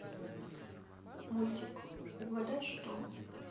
мультик угадай что